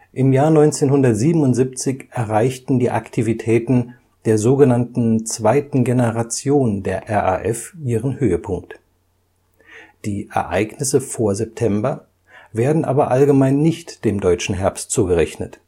1977 erreichten die Aktivitäten der sogenannten zweiten Generation der RAF ihren Höhepunkt. Die Ereignisse vor September werden aber allgemein nicht dem Deutschen Herbst zugerechnet